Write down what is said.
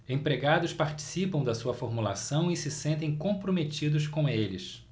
empregados participam da sua formulação e se sentem comprometidos com eles